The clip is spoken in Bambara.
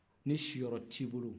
ni siyɔrɔ t'i bolo